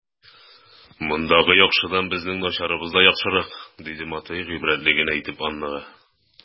Мондагы яхшыдан безнең начарыбыз да яхшырак, - диде Матвей гыйбрәтле генә итеп Аннага.